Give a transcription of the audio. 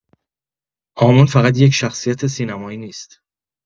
هامون فقط یک شخصیت سینمایی نیست؛